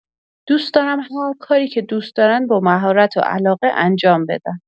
دوست دارم هرکاری که دوست دارن با مهارت و علاقه انجام بدن.